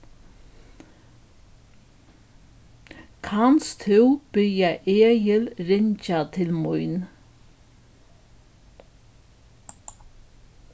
kanst tú biðja egil ringja til mín